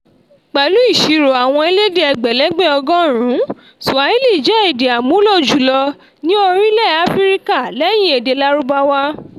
Pẹ̀lú ìṣirò àwọn elédè ẹgbẹ̀ẹ́lẹ́gbẹ̀ 100, Swahili jẹ́ èdè àmúlò-jùlọ-kejì ní orílẹ̀ Áfíríkà, lẹ́yìn èdè Lárúbáwá.